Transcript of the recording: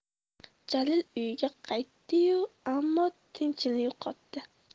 jalil uyiga qaytdi yu ammo tinchini yo'qotdi